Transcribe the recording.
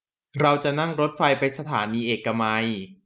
เราจะนั่งรถไฟไปสถานีเอกมัย